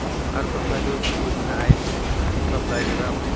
har bir haydovchi o'zini aybsiz hisoblaydi va uning